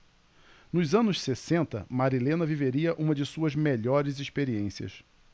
nos anos sessenta marilena viveria uma de suas melhores experiências